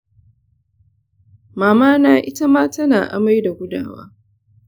mama na itama tana amai da gudawa.